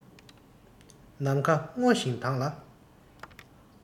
ནམ མཁའ སྔོ ཞིང དྭངས ལ